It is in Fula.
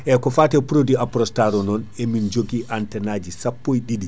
eyyi ko fate produit Aprostar o non emin joogui antenne aji sappo e ɗiɗi